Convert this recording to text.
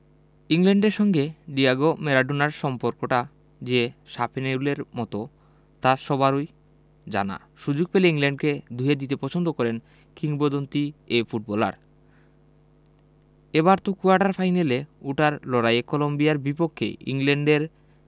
ইংল্যান্ডের সঙ্গে ডিয়েগো ম্যারাডোনার সম্পর্কটা যে শাপে নেউলের মতো তা সবারই জানা সুযোগ পেলেই ইংল্যান্ডকে ধুয়ে দিতে পছন্দ করেন কিংবদন্তি এ ফুটবলার এবার তো কোয়ার্টার ফাইনালে ওঠার লড়াই কলম্বিয়ার বিপক্ষে ইংল্যান্ডের